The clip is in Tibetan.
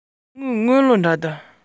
གེ སར སྒྲུང རིག གནས མིན ནམ